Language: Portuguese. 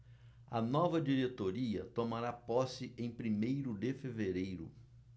a nova diretoria tomará posse em primeiro de fevereiro